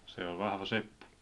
se oli vahva seppä